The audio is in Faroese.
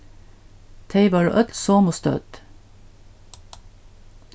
tey vóru øll somu stødd